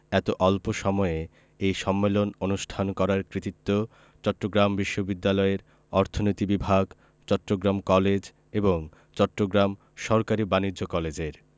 এত অল্প এ সম্মেলন অনুষ্ঠান করার কৃতিত্ব চট্টগ্রাম বিশ্ববিদ্যালয়ের অর্থনীতি বিভাগ চট্টগ্রাম কলেজ এবং চট্টগ্রাম সরকারি বাণিজ্য কলেজের